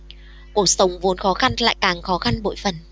cuộc sống vốn khó khăn lại càng khó khăn bội phần